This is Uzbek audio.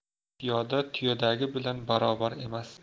piyoda tuyadagi bilan barobar emas